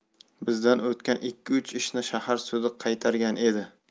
bizdan o'tgan ikki uch ishni shahar sudi qaytargan edi